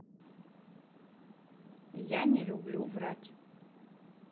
я не люблю врать